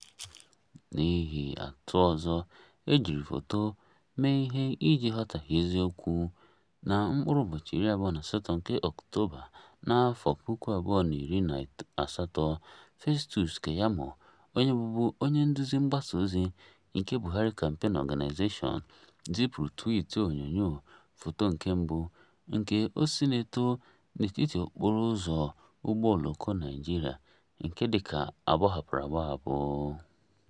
N'ihe atụ ọzọ, e jiri foto mee ihe iji ghọtahie eziokwu. Na Ọktoba 28, 2018, Festus Keyamo, onye bụbu onye nduzi mgbasa ozi nke Buhari Campaign Organisation, zipụrụ twiiti onyonyo (Foto nke 1) nke osisi na-eto n'etiti okporo ụzọ ụgbọ oloko Naịjirịa nke dịka a gbahapụrụ agbahapụ: